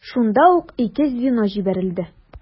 Шунда ук ике звено җибәрелде.